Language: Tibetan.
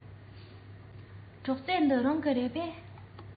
སྒྲོག རྩེ འདི རང གི རེད པས